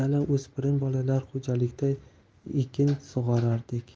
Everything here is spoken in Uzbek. o'spirin bolalar xo'jalikda ekin sug'orardik